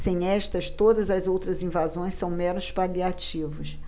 sem estas todas as outras invasões são meros paliativos